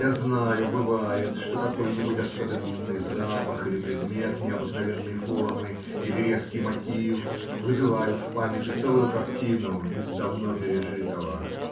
Я знаю, бывает, что какой-нибудь особенный запах, или предмет необыкновенной формы, или резкий мотив вызывают в памяти целую картину из давно пережитого.